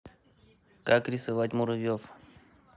как рисовать муравьев